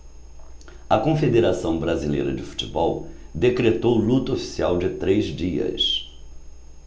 a confederação brasileira de futebol decretou luto oficial de três dias